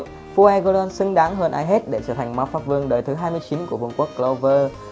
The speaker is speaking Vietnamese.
fuegoleon xứng đáng hơn ai hết để trở thành mpv đời thứ của vương quốc clover